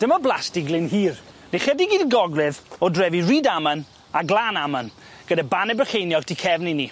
Dyma blasdy Glyn Hir neu chydig i'r gogledd o drefi Rydaman a Glanaman gyda banne Brycheiniog tu cefn i ni.